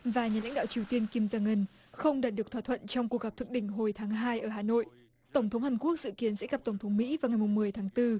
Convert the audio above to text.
và nhà lãnh đạo triều tiên kim dông ưn không đạt được thỏa thuận trong cuộc gặp thượng đỉnh hồi tháng hai ở hà nội tổng thống hàn quốc dự kiến sẽ gặp tổng thống mỹ vào ngày mùng mười tháng tư